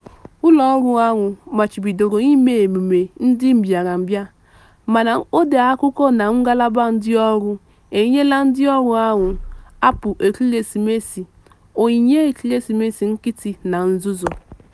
Ụlọọrụ ahụ machibidoro ime emume ndị mbịarambịa. Mana odeakwụkwọ na ngalaba ndịọrụ enyela ndịọrụ ahụ apụl ekeresimesi [onyinye ekeresimesi nkịtị] na nzuzo.